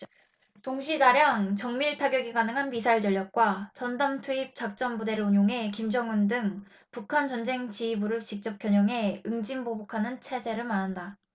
동시 다량 정밀타격이 가능한 미사일 전력과 전담 투입 작전부대를 운용해 김정은 등 북한 전쟁지휘부를 직접 겨냥해 응징 보복하는 체계를 말한다